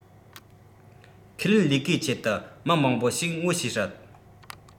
ཁས ལེན ལས ཀའི ཆེད དུ མི མང པོ ཞིག ངོ ཤེས སྲིད